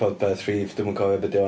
Podpeth rhif dwi'm yn cofio be 'di o 'an.